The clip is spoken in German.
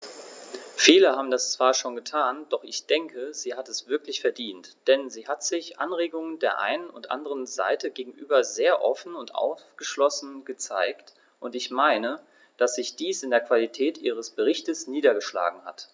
Viele haben das zwar schon getan, doch ich denke, sie hat es wirklich verdient, denn sie hat sich Anregungen der einen und anderen Seite gegenüber sehr offen und aufgeschlossen gezeigt, und ich meine, dass sich dies in der Qualität ihres Berichts niedergeschlagen hat.